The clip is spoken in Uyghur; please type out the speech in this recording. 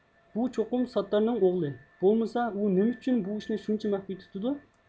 بۇ چوقۇم ساتتارنىڭ ئوغلى بولمىسا ئۇ نېمە ئۈچۈن بۇ ئىشنى شۇنچە مەخپىي تۇتىدۇ